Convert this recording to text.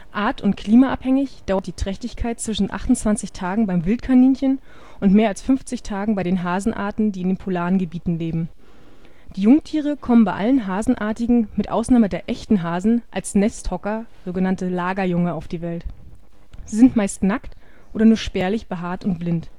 Art - und klimaabhängig dauert die Trächtigkeit zwischen 28 Tagen beim Wildkaninchen und mehr als 50 Tagen bei den Hasenarten, die in den polaren Gebieten leben. Die Jungtiere kommen bei allen Hasenartigen mit Ausnahme der Echten Hasen (Lepidae) als Nesthocker (Lagerjunge) auf die Welt. Sie sind meistens nackt oder nur spärlich behaart und blind